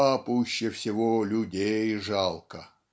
А пуще всего людей жалко".